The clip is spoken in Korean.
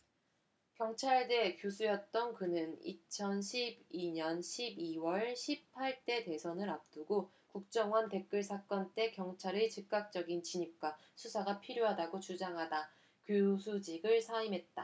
경찰대 교수였던 그는 이천 십 이 년 십 이 월 십 팔 대 대선을 앞두고 국정원 댓글 사건 때 경찰의 즉각적인 진입과 수사가 필요하다고 주장하다 교수직을 사임했다